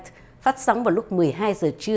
phát sóng vào lúc mười hai giờ trưa